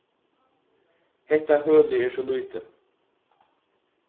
hetta hølið er so lítið